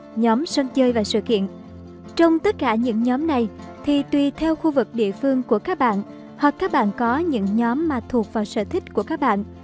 nhóm sân chơi và sự kiện trong tất cả những nhóm này thì tùy theo khu vực địa phương của các bạn hoặc các bạn có những nhóm mà thuộc vào sở thích của các bạn